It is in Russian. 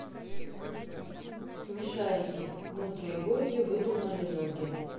смешарики мудрые боги выдумали ноги